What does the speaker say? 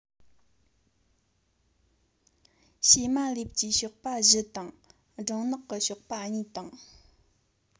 ཕྱེ མ ལེབ ཀྱི གཤོག པ བཞི དང སྦྲང ནག གི གཤོག པ གཉིས དང